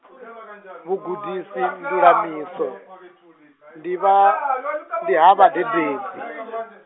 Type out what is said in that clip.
muguḓisi ndi mametse, ndi vha, ndi ha vha ḓi dedzi.